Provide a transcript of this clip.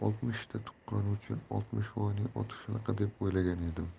oltmishvoyning oti shunaqa deb o'ylagan edim